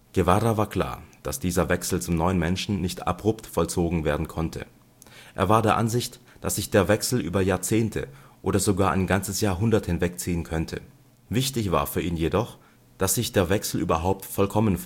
Guevara war klar, dass dieser Wechsel zum neuen Menschen nicht abrupt vollzogen werden konnte. Er war der Ansicht, dass sich der Wechsel über Jahrzehnte oder sogar ein ganzes Jahrhundert hinwegziehen könnte. Wichtig war für ihn jedoch, dass sich der Wechsel überhaupt vollkommen vollzog